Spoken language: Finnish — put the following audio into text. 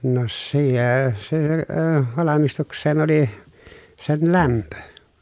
no - se - valmistukseen oli sen lämpö